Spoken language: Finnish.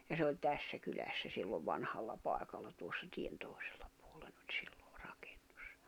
ja se oli tässä kylässä silloin vanhalla paikalla tuossa tien toisella puolen oli silloin rakennus